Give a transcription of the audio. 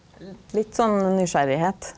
litt sånn nysgjerrigheit.